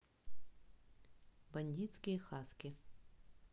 бандитские хаски